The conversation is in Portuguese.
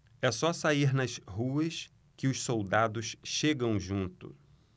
é só sair nas ruas que os soldados chegam junto